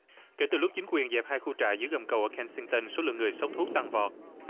kể từ lúc chính quyền dẹp hai khu trại dưới gầm cầu ở ken sinh tơn số lượng người sốc thuốc tăng vọt